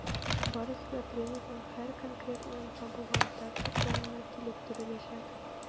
Барысы да тренерның һәр конкрет уенга булган тактик планына килеп терәләчәк.